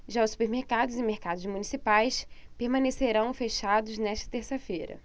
já os supermercados e mercados municipais permanecerão fechados nesta terça-feira